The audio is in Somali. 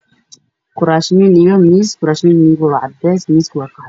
Halkaan waxaa ka muuqdo guraas cadays ah iyo miis gaduudan darbigana waxaa ku dhegan warqado farshaxan ah